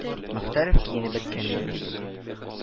Мохтаров киенеп беткән иде инде